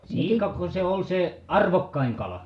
siikako se oli se arvokkain kala